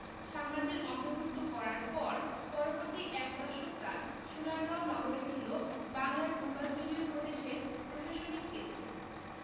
সাম্রাজ্যের অর্ন্তভুক্ত করার পর পরবর্তী এক দশক কাল সোনারগাঁও নগরী ছিল বাংলার পূর্বাঞ্চলীয় প্রদেশের প্রশাসনিক কেন্দ্র